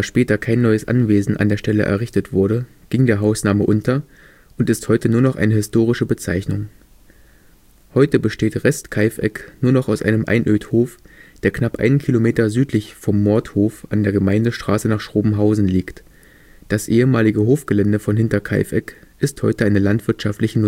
später kein neues Anwesen an der Stelle errichtet wurde, ging der Hausname unter und ist heute nur noch eine historische Bezeichnung. Heute besteht (Rest -) Kaifeck nur noch aus einem Einödhof, der knapp einen Kilometer südlich vom „ Mordhof “an der Gemeindestraße nach Schrobenhausen liegt; das ehemalige Hofgelände von Hinterkaifeck ist heute eine landwirtschaftliche